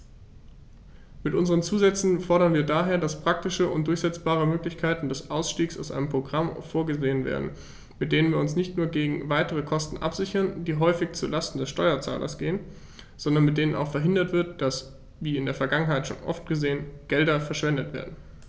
Mit unseren Zusätzen fordern wir daher, dass praktische und durchsetzbare Möglichkeiten des Ausstiegs aus einem Programm vorgesehen werden, mit denen wir uns nicht nur gegen weitere Kosten absichern, die häufig zu Lasten des Steuerzahlers gehen, sondern mit denen auch verhindert wird, dass, wie in der Vergangenheit so oft geschehen, Gelder verschwendet werden.